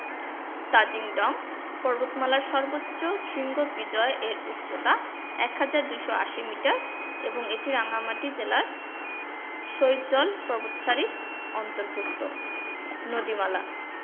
তাজিং ডং পর্বতমালার সর্বোচ্চ শৃঙ্গ বিজয় এর উচ্চতা ১হাজার ২৮০ মিটার এবং এটি রাঙ্গামাটি জেলার সাইচল পর্বতসারির অন্তর্ভূক্ত নদীমালা